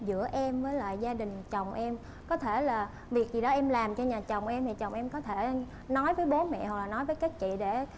giữa em với lại gia đình chồng em có thể là việc gì đó em làm cho nhà chồng em chồng em có thể nói với bố mẹ hoặc nói với các chị để